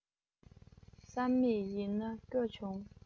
བསམ མེད ཡིན ན སྐྱོ བྱུང